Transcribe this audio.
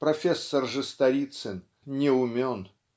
Профессор же Сторицын не умен.